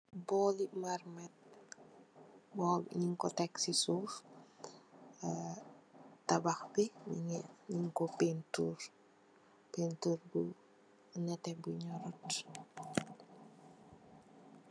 Borli mermait, borl bii njing kor tek cii suff, aaa tabakh bii njungeh njung kor peintur, peintur bu nehteh bu njorut.